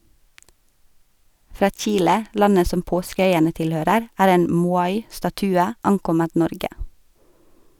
Fra Chile, landet som Påskeøyene tilhører, er en Moai statue ankommet Norge.